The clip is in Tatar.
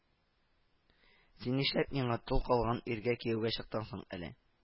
—син нишләп миңа, тол калган иргә кияүгә чыктың соң әле